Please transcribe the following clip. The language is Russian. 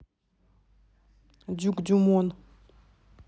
дюк дюмон